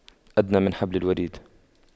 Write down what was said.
أدنى من حبل الوريد